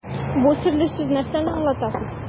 Бу серле сүз нәрсәне аңлата соң?